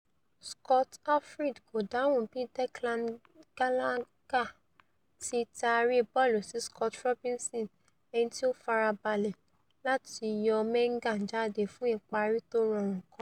Scott Arfield kò dáhùn bí Declan Gallagher ti taari bọ́ọ̀lù sí Scott Robinson ẹnití ó farabalẹ̀ láti yọ Menga jáde fún ìparí tó rọrùn kan.